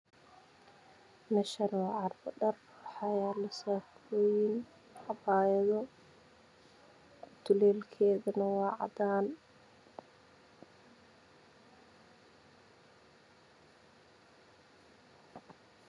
Meeshaan waa carwo dhar ah waxaa yaalo saakooyin iyo cabaayado tuliinkeedana waa cadaan.